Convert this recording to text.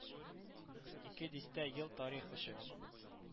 Ике дистә ел тарих өчен